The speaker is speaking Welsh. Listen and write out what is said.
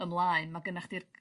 ymlaen ma' gynnach chdi'r